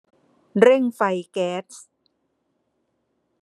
เร่งไฟแก๊ส